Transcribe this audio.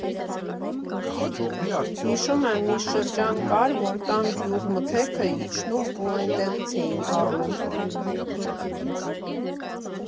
«Հիշում եմ՝ մի շրջան կար, որ տան գյուղմթերքն իջնում ու էդտեղից էինք առնում։